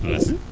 merci